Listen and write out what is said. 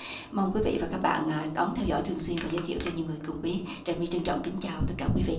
mong quý vị và các bạn đón theo dõi thường xuyên và giới thiệu cho nhiều người cùng biết trà my trân trọng kính chào tất cả quý vị